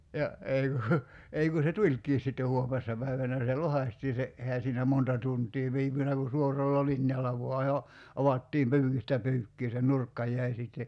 ja ja ei kun ei kun se tulikin sitten huomenessa päivänä se lohkaistiin se eihän siinä monta tuntia viipynyt kun suoralla linjalla vain jo avattiin pyykistä pyykkiin se nurkka jäi sitten